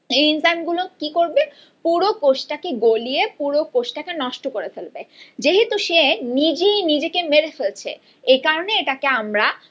এনজাইমগুলো কি করবে পুরো কোষ টাকে গলিয়ে কোষ টাকে নষ্ট করে ফেলবে যেহেতু সে নিজে ই নিজেকে মেরে ফেলছে এ কারণে এটাকে আমরা